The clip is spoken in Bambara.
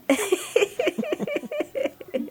San